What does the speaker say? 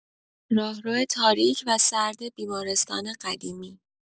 راهرو تاریک و سرد بیمارستان قدیمی